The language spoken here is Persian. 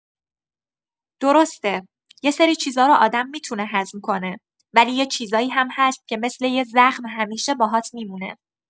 درسته، یه سری چیزا رو آدم می‌تونه هضم کنه، ولی یه چیزایی هم هست که مثل یه زخم همیشه باهات می‌مونه.